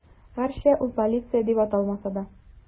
Гәрчә ул полиция дип аталмаса да.